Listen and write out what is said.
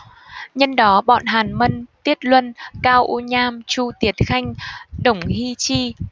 nhân đó bọn hàn mân tiết luân cao u nham chu tiến khanh đổng hi chi